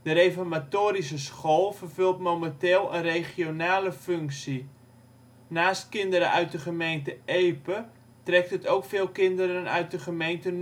reformatorische school vervult momenteel een regionale functie. Naast kinderen uit de gemeente Epe trekt het ook veel kinderen uit de gemeente